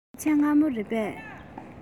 ཡིན གསོལ ཇ མངར མོ རེད པས